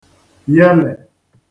yelè